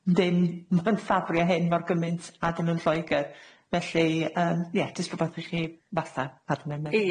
ddim yn ffafrio hyn mor gymint â 'dyn nw yn Lloegr. Felly yym ie, jyst rwbeth i chi fatha arnyn nw... Ie.